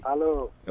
allo